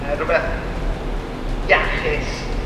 yy rwbeth iachus